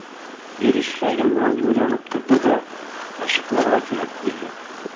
Верещагин бераз уйланып торды да: – Ачыкларга кирәк,– диде.